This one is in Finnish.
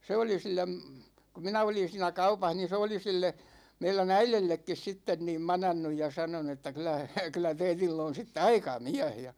se oli sille kun minä olin siinä kaupassa niin se oli sille meidän äidillekin sitten niin manannut ja sanonut että kyllä kyllä teillä on sitten aika mies ja